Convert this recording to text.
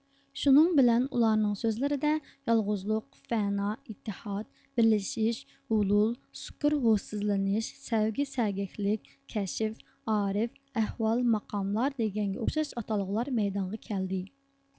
شۇنىڭ بىلەن ئۇلارنىڭ سۆزلىرىدە يالغۇزلۇق فەنا ئىتتىھاد بىرلىشىش ھۇلۇل سۇكرھوشسىزلىنىش سەھۋسەگەكلىك كەشف ئارىف ئەھۋال ماقاملار دېگەنگە ئوخشاش ئاتالغۇلار مەيدانغا كەلدى